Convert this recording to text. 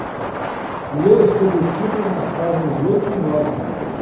leia sobre o título nas páginas oito e nove